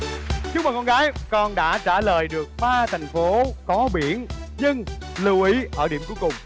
chúc mừng con gái con đã trả lời được ba thành phố có biển nhưng lưu ý ở điểm cuối cùng